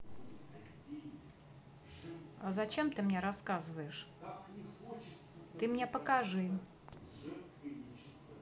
а зачем ты мне рассказываешь ты мне покажи